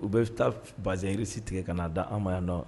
U bɛ taa bazyiri si tigɛ ka na'a da an ma dɔn